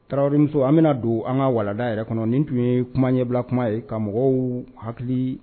Tarawelerawrimuso an bɛna don an ka walada yɛrɛ kɔnɔ nin tun ye kuma ɲɛ bila kuma ye ka mɔgɔw hakili